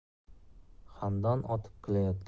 xandon otib kulayotgan